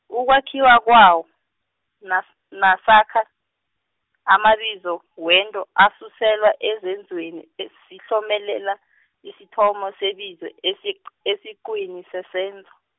ukwakhiwa kwawo, nas- nasakha, amabizo wento asuselwa ezenzweni e- sihlomelela, isithomo sebizo esiq- esiqwini sesenzo.